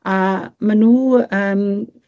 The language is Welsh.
A my' nw yn